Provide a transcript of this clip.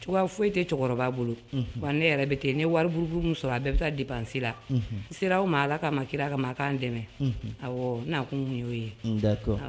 Cogoya foyi e tɛ cɛkɔrɔba bolo wa ne yɛrɛ bɛ ten ne wariuru sɔrɔ a bɛɛ bɛ taa di bansi la n sera o ma ala ka ma kira ka'an dɛmɛ a n'a kun y'o ye